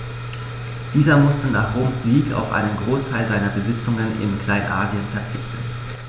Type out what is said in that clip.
Dieser musste nach Roms Sieg auf einen Großteil seiner Besitzungen in Kleinasien verzichten.